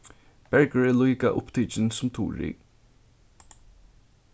bergur er líka upptikin sum turið